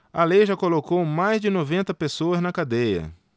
a lei já colocou mais de noventa pessoas na cadeia